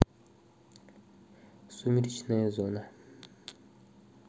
сумеречная зона